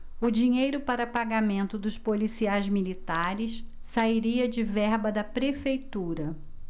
o dinheiro para pagamento dos policiais militares sairia de verba da prefeitura